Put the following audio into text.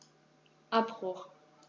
Abbruch.